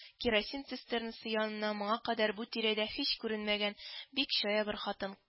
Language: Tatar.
Керосин цистернасы янына моңа кадәр бу тирәдә һич күренмәгән бик чая бер хатын